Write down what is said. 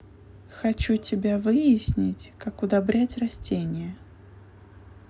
хочу тебя выяснить как удобрять растения